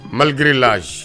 Malidirilila